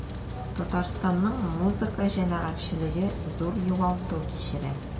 Татарстанның музыка җәмәгатьчелеге зур югалту кичерә.